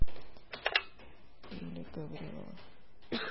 юля гаврилова